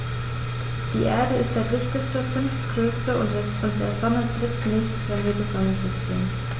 Die Erde ist der dichteste, fünftgrößte und der Sonne drittnächste Planet des Sonnensystems.